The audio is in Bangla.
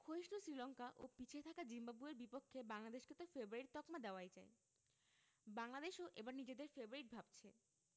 ক্ষয়িষ্ণু শ্রীলঙ্কা ও পিছিয়ে থাকা জিম্বাবুয়ের বিপক্ষে বাংলাদেশকে তো ফেবারিট তকমা দেওয়াই যায় বাংলাদেশও এবার নিজেদের ফেবারিট ভাবছে